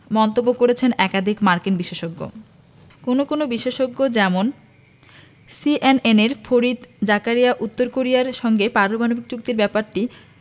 মন্তব্য করেছেন একাধিক মার্কিন বিশেষজ্ঞ কোনো কোনো বিশেষজ্ঞ যেমন সিএনএনের ফরিদ জাকারিয়া উত্তর কোরিয়ার সঙ্গে পারমাণবিক চুক্তির ব্যাপারটি